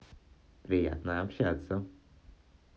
приятно общаться